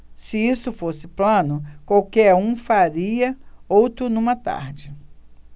se isso fosse plano qualquer um faria outro numa tarde